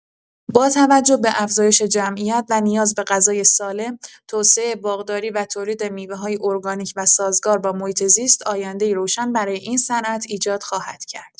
با توجه به افزایش جمعیت و نیاز به غذای سالم، توسعه باغداری و تولید میوه‌های ارگانیک و سازگار با محیط‌زیست آینده‌ای روشن برای این صنعت ایجاد خواهد کرد.